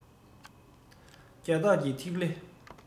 རྒྱ སྟག གི ཐིག ལེ